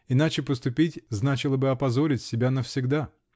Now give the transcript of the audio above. Иначе поступить -- значило бы опозорить себя навсегда .